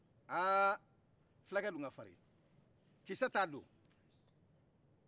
aa filakɛ dun ka farin kisɛ t'a don